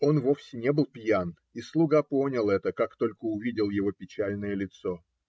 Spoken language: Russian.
Он вовсе не был пьян, и слуга понял это, как только увидел его печальное лицо.